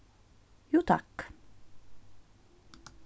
jú takk